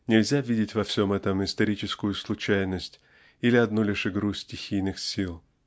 нельзя видеть во всем этом историческую случайность или одну лишь игру стихийных сил.